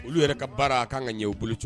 Olu yɛrɛ ka baara a k kan ka ɲɛw bolo